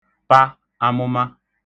pa amụma